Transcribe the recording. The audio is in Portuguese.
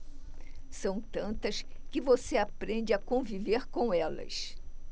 são tantas que você aprende a conviver com elas